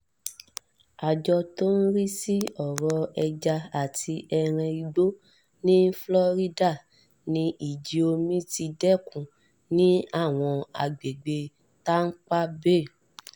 Àjọ tó ń rí sí ọ̀rọ̀ ẹja àti ẹran igbó ní Florida ní ìjì omi ti dẹ́kun ní àwọn agbègbè̀ Tampa Bay.